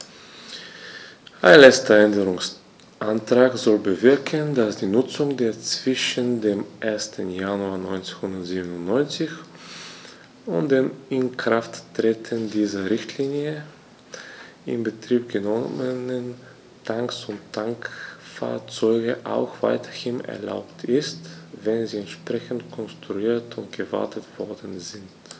Ein letzter Änderungsantrag soll bewirken, dass die Nutzung der zwischen dem 1. Januar 1997 und dem Inkrafttreten dieser Richtlinie in Betrieb genommenen Tanks und Tankfahrzeuge auch weiterhin erlaubt ist, wenn sie entsprechend konstruiert und gewartet worden sind.